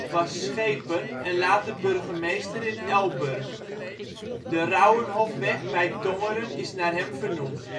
was schepen en later burgemeester in Elburg. De Rauwenhoffweg bij Tongeren is naar hem vernoemd